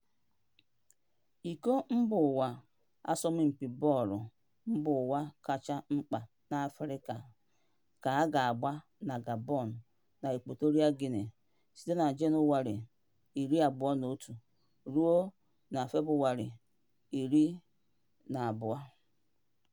Iko Mbaụwa, asọmpi bọọlụ mbaụwa kacha mkpa n'Afrịka, ka a ga-agba na Gabon na Equatorial Guinea site Jenụwarị 21 ruo 12 Febụwarị.